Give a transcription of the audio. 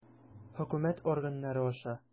Хөкүмәт органнары аша.